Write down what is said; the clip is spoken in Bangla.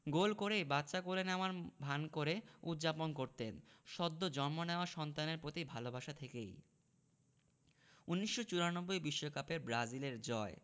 গোল করেই বাচ্চা কোলে নেওয়ার ভান করে উদ্যাপন করতেন সদ্য জন্ম নেওয়া সন্তানের প্রতি ভালোবাসা থেকেই ১৯৯৪ বিশ্বকাপের ব্রাজিলের জয়